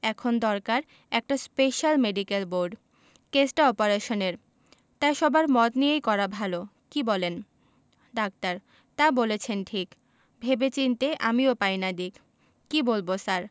এখন দরকার একটা স্পেশাল মেডিকেল বোর্ড কেসটা অপারেশনের তাই সবার মত নিয়েই করা ভালো কি বলেন ডাক্তার তা বলেছেন ঠিক ভেবে চিন্তে আমিও পাই না দিক কি বলব স্যার